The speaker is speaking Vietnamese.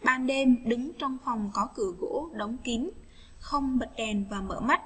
ban đêm đứng trong phòng có cửa gỗ đóng kín không bền và mỡ mắt